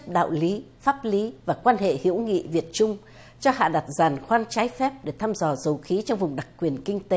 đạo lý pháp lý và quan hệ hữu nghị việt trung cho hạ đặt giàn khoan trái phép để thăm dò dầu khí trong vùng đặc quyền kinh tế